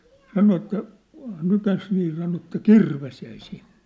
sanoi että nykäisi niin sanoi että kirves jäi sinne